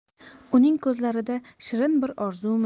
uning ko'zlarida shirin bir orzumi